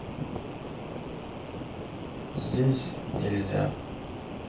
здесь нельзя